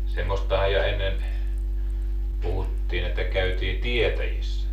semmoistahan ja ennen puhuttiin että käytiin tietäjissä